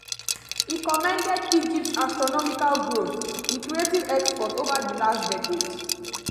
He commended Egypt’s "astronomical growth in creative exports over the last decade".